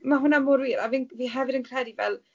Ma' hwnna mor wir a fi'n... fi hefyd yn credu fel...